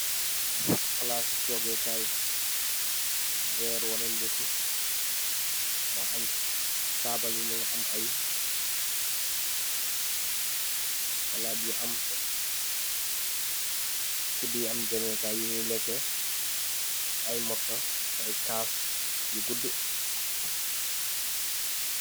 Plaasii tohgeh kaii, rerrre wala ndeki wala aangh, taabal bii mungy am aiiy, plaat bii am, kudu yii am jaameh kaii yunjui lehkeh, aiiy morsoh, aiiy kaass yu gudu.